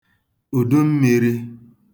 ùdummīrī